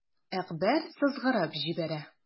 Әкбәр сызгырып җибәрә.